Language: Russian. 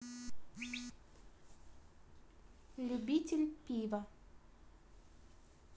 любитель пива